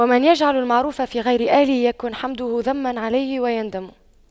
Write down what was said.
ومن يجعل المعروف في غير أهله يكن حمده ذما عليه ويندم